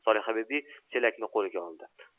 solihabibi chelakni qo'liga oldi